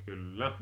kyllä